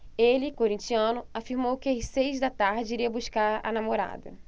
ele corintiano afirmou que às seis da tarde iria buscar a namorada